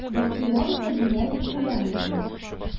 “барселона”ны җиңәр, дип уйламыйм мин.